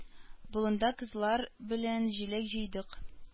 Болында кызлар белән җиләк җыйдык.